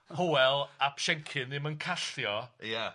Hywel ap Siencyn n ddim yn callio... Ia...